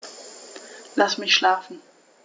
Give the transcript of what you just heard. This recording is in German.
Lass mich schlafen